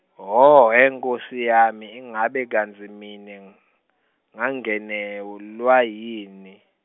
hhohhe nkhosi yami, ingabe kantsi mine, ngangenelwa yini?